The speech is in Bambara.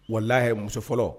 Walahi muso fɔlɔ